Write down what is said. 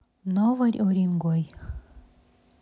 новый уренгой